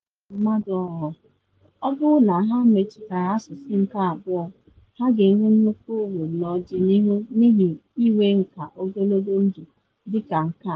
Agbanyeghị ọrụaka mmadụ họrọ, ọ bụrụ na ha mụtara asụsụ nke abụọ, ha ga-enwe nnukwu uru n’ọdịnihu n’ihi ịnwe nka ogologo ndụ dị ka nke a.